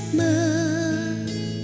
mơ